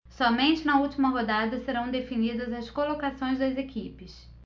somente na última rodada serão definidas as colocações das equipes